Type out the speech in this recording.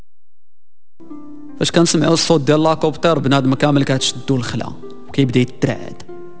بس نسمع الصوت يلا كوبتر بنادم كامل كاش تون خلها